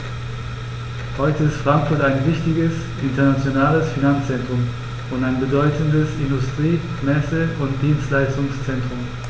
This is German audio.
Heute ist Frankfurt ein wichtiges, internationales Finanzzentrum und ein bedeutendes Industrie-, Messe- und Dienstleistungszentrum.